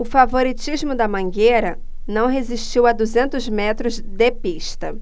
o favoritismo da mangueira não resistiu a duzentos metros de pista